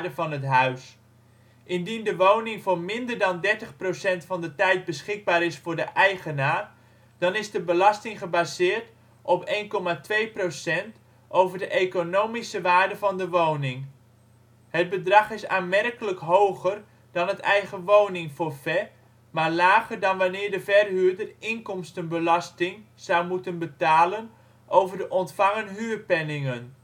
van het huis. Indien de woning voor minder dan 30 % van de tijd beschikbaar is voor de eigenaar, dan is de belasting gebaseerd op 1,2 % over de economische waarde van de woning. Het bedrag is aanmerkelijk hoger dan het eigenwoningforfait, maar lager dan wanneer de verhuurder inkomstenbelasting zou moeten betalen over de ontvangen huurpenningen